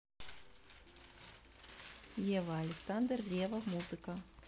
ева александр ревва музыка